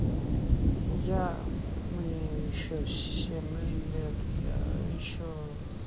я мне еще семь лет я еще